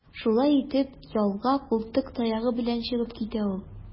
Шулай итеп, ялга култык таягы белән чыгып китә ул.